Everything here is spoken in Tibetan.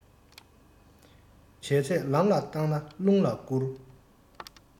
བྱས ཚད ལམ ལ བཏང ན རླུང ལ བསྐུར